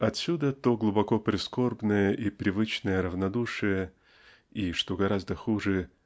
Отсюда то глубоко прискорбное и привычное равнодушие и что гораздо хуже